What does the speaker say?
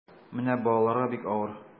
Менә балаларга бик авыр.